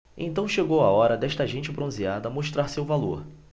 então chegou a hora desta gente bronzeada mostrar seu valor